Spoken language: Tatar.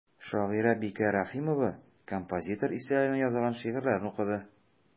Шагыйрә Бикә Рәхимова композитор истәлегенә язылган шигырьләрен укыды.